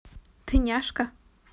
ты няшка